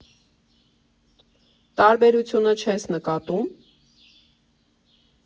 Տարբերությունը չես նկատու՞մ…